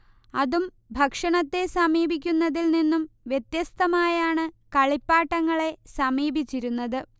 അതും ഭക്ഷണത്തെ സമീപിക്കുന്നതിൽ നിന്നും വ്യത്യസ്തമായാണ് കളിപ്പാട്ടങ്ങളെ സമീപിച്ചിരുന്നത്